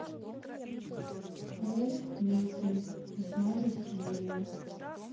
вольф мессинг восьмая серия